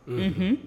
Unhun